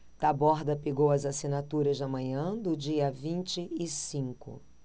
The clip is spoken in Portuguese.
taborda pegou as assinaturas na manhã do dia vinte e cinco